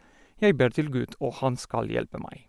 Jeg ber til Gud, og han skal hjelpe meg.